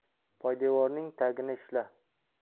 poydevorning tagini ishla